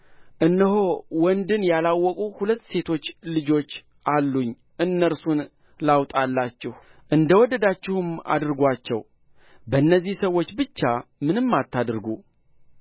እነሆ ወንድን ያላወቁ ሁለት ሴቶች ልጆች አሉኝ እነርሱን ላውጣላችሁ እንደ ወደዳችሁም አድርጓቸው በእነዚህ ሰዎች ብቻ ምንም አታድርጉ